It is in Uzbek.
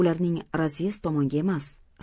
ularning razyezd tomonga emas